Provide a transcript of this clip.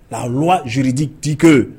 La loi juridique dit que